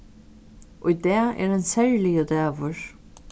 í dag er ein serligur dagur